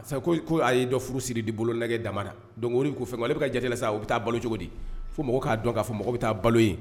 Sabu a ye dɔ furu siri di bolo nɛgɛ da ko fɛn ale bɛ ka jala sa o bɛ taa balo cogo di fo mɔgɔ k'a dɔn k'a fɔ mɔgɔ bɛ taa balo in